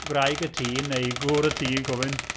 Gwraig y tŷ neu gŵr y tŷ yn gofyn...